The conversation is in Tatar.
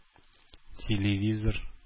Телевизор